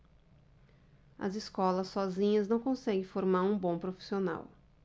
as escolas sozinhas não conseguem formar um bom profissional